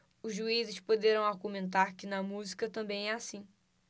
os juízes poderão argumentar que na música também é assim